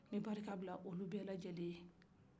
n bɛ barika bila olu bɛɛ lajɛlen ye